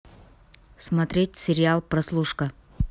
смотреть сериал прослушка